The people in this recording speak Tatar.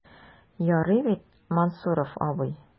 Ярый бит, Мансуров абый?